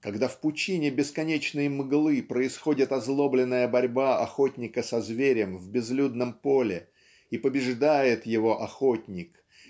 Когда в пучине бесконечной мглы происходит озлобленная борьба охотника со зверем в безлюдном поле и побеждает его охотник